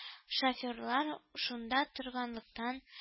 Шоферлары шунда торганлыктан